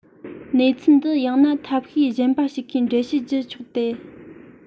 གནས ཚུལ འདི ཡང ན ཐབས ཤེས གཞན པ ཞིག གིས འགྲེལ བཤད བགྱི ཆོག སྟེ